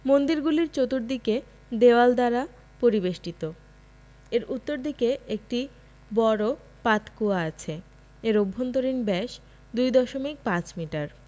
মন্দিরগুলির চতুর্দিকে দেয়াল দ্বারা পরিবেষ্টিত এর উত্তর দিকে একটি বড় পাতকূয়া আছে এর অভ্যন্তরীণ ব্যাস ২ দশমিক ৫ মিটার